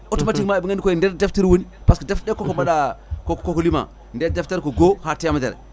automatiquement eɓe gandi koye nder deftere woni par ce que koko mbaɗa koko liima nde deftere ko goho ha temedere